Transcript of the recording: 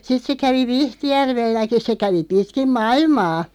sitten se kävi Vihtijärvelläkin se kävi pitkin maailmaa